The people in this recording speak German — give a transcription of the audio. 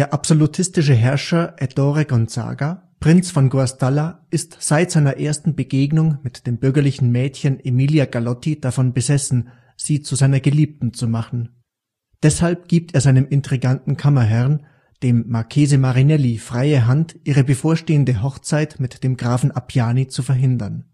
absolutistische Herrscher Hettore Gonzaga, Prinz von Guastalla, ist seit seiner ersten Begegnung mit dem bürgerlichen Mädchen Emilia Galotti davon besessen, sie zu seiner Geliebten zu machen. Deshalb gibt er seinem intriganten Kammerherrn, dem Marchese Marinelli, freie Hand, ihre bevorstehende Hochzeit mit dem Grafen Appiani zu verhindern